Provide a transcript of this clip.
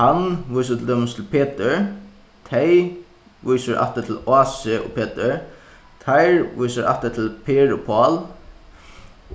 hann vísir til dømis til petur tey vísir aftur til ásu og petur teir vísir aftur til per og pál